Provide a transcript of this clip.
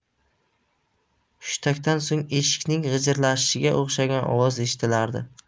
hushtakdan so'ng eshikning g'ijirlashiga o'xshagan ovoz eshitilardi